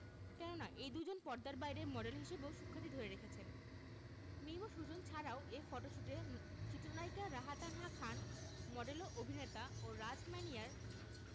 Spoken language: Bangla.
কেননা এই দুইজন পর্দার বাইরে মডেল হিসেবেও সুখ্যাতি ধরে রেখেছেন মিম ও সুজন ছাড়াও এ ফটোশ্যুটে চিত্রনায়িকা রাহা তানহা খান মডেল ও অভিনেতা ও রাজ ম্যানিয়ার